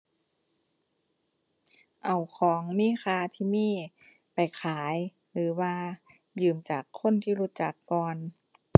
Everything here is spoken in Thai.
เอาของมีค่าที่มีไปขายหรือว่ายืมจากคนที่รู้จักก่อน